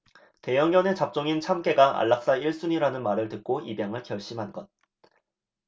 대형견에 잡종인 참깨가 안락사 일 순위라는 말을 듣고 입양을 결심한 것